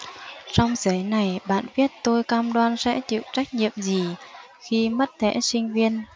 trong giấy này bạn viết tôi cam đoan sẽ chịu trách nhiệm gì khi mất thẻ sinh viên